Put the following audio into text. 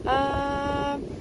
A,